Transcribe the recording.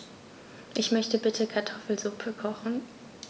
Ich möchte bitte Kartoffelsuppe kochen.